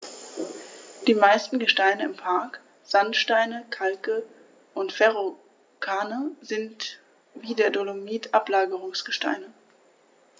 Die meisten Gesteine im Park – Sandsteine, Kalke und Verrucano – sind wie der Dolomit Ablagerungsgesteine.